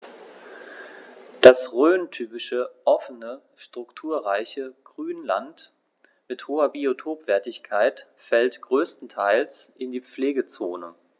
Das rhöntypische offene, strukturreiche Grünland mit hoher Biotopwertigkeit fällt größtenteils in die Pflegezone.